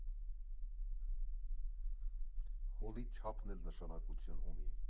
Հոլի չափն էլ նշանակություն ունի։